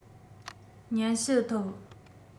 སྙན ཞུ ཐོབ